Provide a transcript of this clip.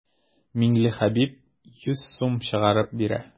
Миңлехәбиб йөз сум чыгарып бирә.